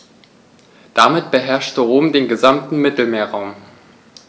Damit beherrschte Rom den gesamten Mittelmeerraum.